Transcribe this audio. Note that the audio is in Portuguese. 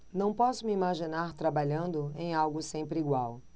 não posso me imaginar trabalhando em algo sempre igual